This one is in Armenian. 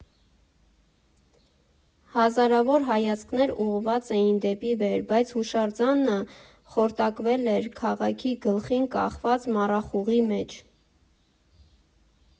Հազարավոր հայացքներ ուղղված էին դեպի վեր, բայց հուշարձանը խորտակվել էր քաղաքի գլխին կախված մառախուղի մեջ։